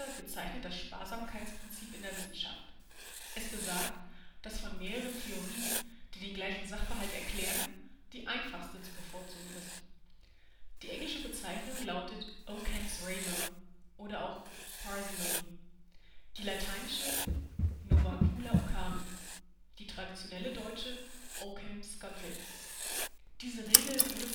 bezeichnet das Sparsamkeitsprinzip in der Wissenschaft. Es besagt, dass von mehreren Theorien, die den gleichen Sachverhalt erklären, die einfachste zu bevorzugen ist. Die englische Bezeichnung lautet Occam 's Razor (oder auch parsimony), die lateinische novacula Occami, die traditionelle deutsche Ockhams Skalpell. Diese Regel wurde